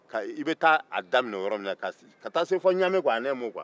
ka i be ta'a daminɛ o yɔrɔ ninnu la ka ta se fɔ ɲamɛ kuwa kuma la surunya na